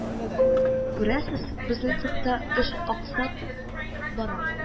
Күрәсез, безнең цехта эш аксап бара